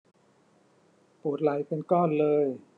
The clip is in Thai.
ปวดไหล่เป็นก้อนเลย